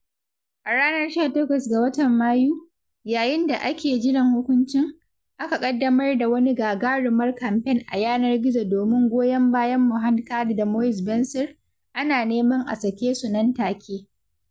A ranar 18 ga watan Mayu, yayin da ake jiran hukuncin, aka ƙaddamar da wani gagarumar kamfen a yanar gizo domin goyon bayan Mohand Kadi da Moez Benncir, ana neman a sake su nan take.